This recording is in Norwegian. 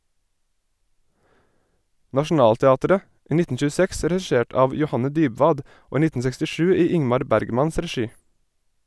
Nationaltheatret, i 1926 regissert av Johanne Dybwad og i 1967 i Ingmar Bergmans regi.